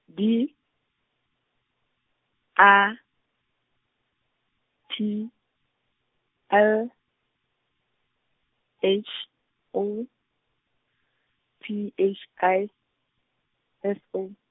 D, A, T, L, H, O, P H I, S O.